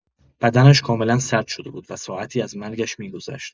بدنش کاملا سرد شده بود و ساعتی از مرگش می‌گذشت.